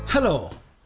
Helo.